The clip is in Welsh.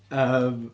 Yym.